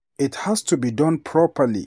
It has to be done properly.